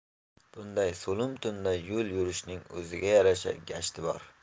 bunday so'lim tunda yo'l yurishning o'ziga yarasha gashti bor